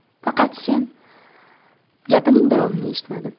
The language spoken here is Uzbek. faqat sen gapining davomini eshitmadim